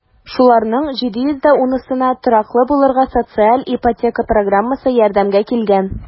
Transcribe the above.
Шуларның 710-сына тораклы булырга социаль ипотека программасы ярдәмгә килгән.